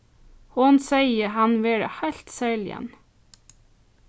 hon segði hann vera heilt serligan